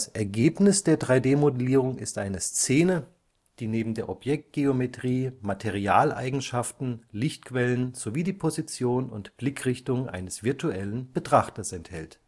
Ergebnis der 3D-Modellierung ist eine Szene, die neben der Objektgeometrie Materialeigenschaften, Lichtquellen sowie die Position und Blickrichtung eines virtuellen Betrachters enthält